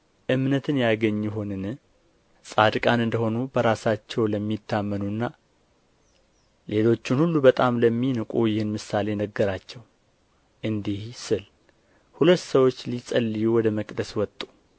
እምነትን ያገኝ ይሆንን ጻድቃን እንደ ሆኑ በራሳቸው ለሚታመኑና ሌሎቹን ሁሉ በጣም ለሚንቁ ይህን ምሳሌ ነገራቸው እንዲህ ሲል ሁለት ሰዎች ሊጸልዩ ወደ መቅደስ ወጡ